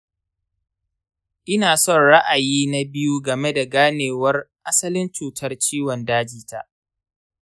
ina son ra'ayi na biyu game da ganewar asalin cutar ciwon daji ta.